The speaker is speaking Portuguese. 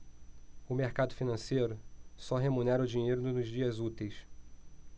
o mercado financeiro só remunera o dinheiro nos dias úteis